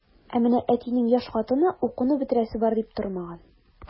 Ә менә әтинең яшь хатыны укуны бетерәсе бар дип тормаган.